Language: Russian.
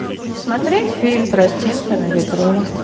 смотреть фильм тростинка на ветру